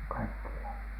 kaikkiaan